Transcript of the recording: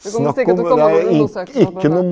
det kjem sikkert til å komme nokon undersøkingar på det.